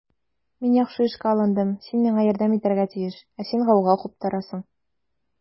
Мин яхшы эшкә алындым, син миңа ярдәм итәргә тиеш, ә син гауга куптарасың.